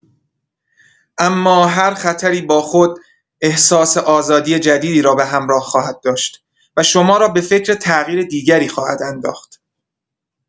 اما هر خطری با خود احساس آزادی جدیدی را به همراه خواهد داشت و شما را به فکر تغییر دیگری خواهد انداخت.